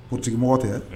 Ko tigimɔgɔ tɛ